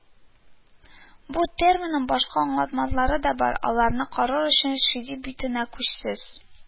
Бу терминның башка аңлатмалары да бар, аларны карау өчен Шиде битенә күчегез